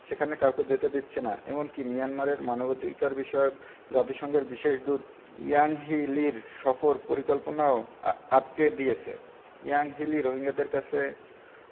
সেখানে কাউকে যেতে দিচ্ছে না এমনকি মিয়ানমারে মানবাধিকারবিষয়ক জাতিসংঘের বিশেষ দূত ইয়াংহি লির সফর পরিকল্পনাও আটকে দিয়েছে ইয়াংহি লি রোহিঙ্গাদের কাছে